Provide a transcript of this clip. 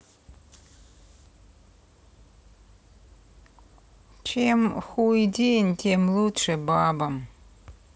чем хуй день тем лучше бабам